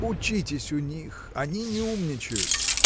— Учитесь у них: они не умничают!